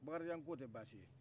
bakarijan k'o tɛ baasi ye